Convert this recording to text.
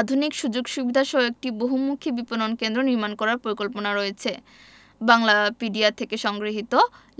আধুনিক সুযোগ সুবিধাসহ একটি বহুমুখী বিপণন কেন্দ্র নির্মাণ করার পরিকল্পনা রয়েছে বাংলাপিডিয়া থেকে সংগৃহীত